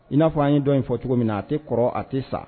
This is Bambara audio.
I n'a fɔ an ye in fɔ cogo min na a tɛ kɔrɔ a tɛ sa